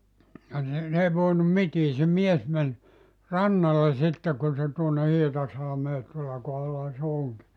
ja niin ne ei voinut mitään se mies meni rannalle sitten kun se tuonne Hietasalmeen tuolla kohdallahan se onkin